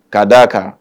K'a d' a kan